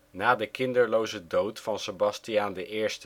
Na de kinderloze dood van Sebastiaan I